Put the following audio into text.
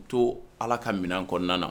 U to Ala ka minɛn kɔnɔna na